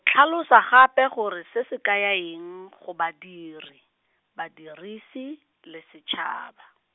tlhalosa gape gore se se kaya eng go badiri, badirisi, le setshaba.